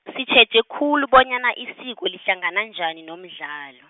sitjheje khulu bonyana isiko lihlangana njani nomdlalo.